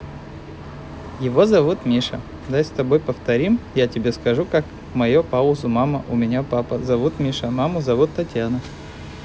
его зовут миша дай с тобой повторим я тебе скажу как мое паузу мама у меня папу зовут миша маму зовут татьяна